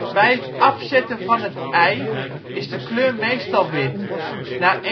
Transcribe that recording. Bij het afzetten van het ei is de kleur meestal wit, na